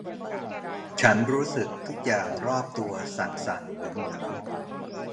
ฉันรู้สึกทุกอย่างรอบตัวสั่นสั่นหมุนหมุน